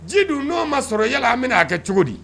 Ji dun n'o ma sɔrɔ yala minɛ a kɛ cogo di